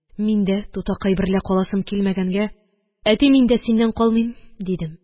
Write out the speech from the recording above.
Мин дә, тутакай берлә каласым килмәгәнгә: – Әти, мин дә синнән калмыйм, – дидем.